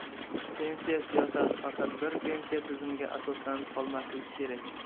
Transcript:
pensiya siyosati faqat bir pensiya tizimiga asoslanib qolmasligi kerak